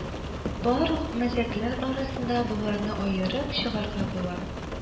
Барлык мәзәкләр арасында боларны аерып чыгарга була: